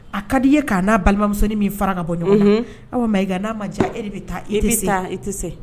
A ka di i ye k'a n'a balimamusonin min fara ka bɔ ɲɔgɔn na, unhun, Awa Mayiga n'a ma diya e de bɛ taa i tɛ e